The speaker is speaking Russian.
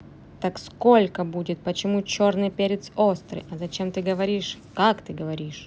так сколько будет почему черный перец острый а зачем ты говоришь как ты говоришь